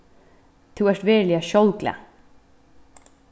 tú ert veruliga sjálvglað